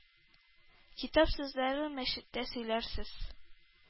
-китап сүзләрен мәчеттә сөйләрсез,